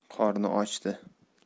qorni ochdi